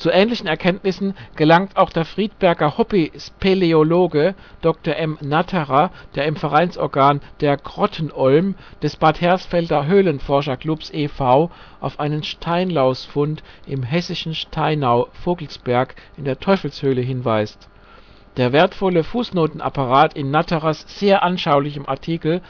ähnlichen Erkenntnissen gelangt auch der Friedberger Hobby-Speleologe Dr. M. Natterer, der im Vereinsorgan " Der Grottenolm " des Bad Hersfelder Höhlenforscherclubs e.V. auf einen Steinlaus-Fund im hessischen Steinau (Vogelsberg) in der Teufelshöhle hinweist. Der wertvolle Fußnotenapparat in Natterers sehr anschaulichem Artikel